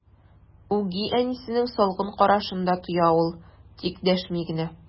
Үги әнисенең салкын карашын да тоя ул, тик дәшми генә.